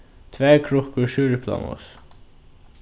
tvær krukkur súreplamos